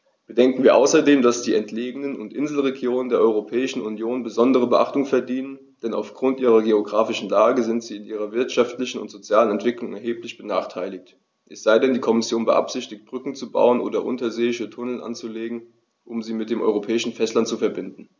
Bedenken wir außerdem, dass die entlegenen und Inselregionen der Europäischen Union besondere Beachtung verdienen, denn auf Grund ihrer geographischen Lage sind sie in ihrer wirtschaftlichen und sozialen Entwicklung erheblich benachteiligt - es sei denn, die Kommission beabsichtigt, Brücken zu bauen oder unterseeische Tunnel anzulegen, um sie mit dem europäischen Festland zu verbinden.